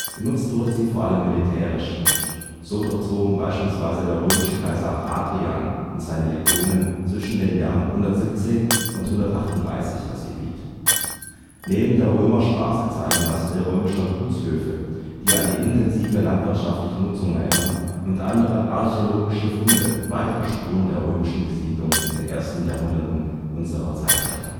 Genutzt wurde sie vor allem militärisch. So durchzogen beispielsweise der römische Kaiser Hadrian und seine Legionen zwischen den Jahren 117 und 138 das Gebiet. Neben der Römerstraße zeigen Reste römischer Gutshöfe – die an die intensive landwirtschaftliche Nutzung erinnern – und andere archäologische Funde weitere Spuren der römischen Besiedlung in den ersten Jahrhunderten unserer Zeitrechnung